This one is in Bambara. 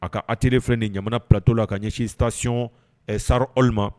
A ka a terirefi ni ɲa pto la a ka ɲɛsin tasiɔn sa olu ma